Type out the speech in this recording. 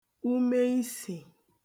umeisì